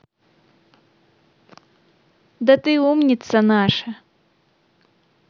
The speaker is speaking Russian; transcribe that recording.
да ты умница наша